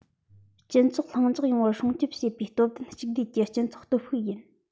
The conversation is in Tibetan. སྤྱི ཚོགས ལྷིང འཇགས ཡོང བར སྲུང སྐྱོང བྱེད པའི སྟོབས ལྡན གཅིག བསྡུས ཀྱི སྤྱི ཚོགས ཀྱི སྟོབས ཤུགས ཡིན